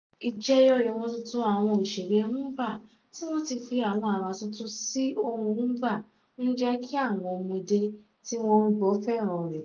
Ìjẹyọ ìran tuntun àwọn òṣèrè Rhumba tí wọ́n ti fi àwọn àrà tuntun sí ohùn Rhumba ń jẹ kí àwọn ọmọdé tí wọ́n ń gbọ fẹ́ràn rẹ̀.